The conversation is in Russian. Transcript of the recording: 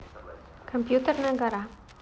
компьютерная гора